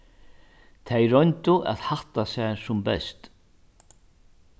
tey royndu at hætta sær sum best